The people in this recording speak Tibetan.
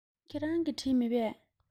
ཁྱེད རང གིས བྲིས མེད པས